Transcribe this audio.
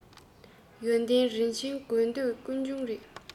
ཡོན ཏན རིན ཆེན དགོས འདོད ཀུན འབྱུང རེད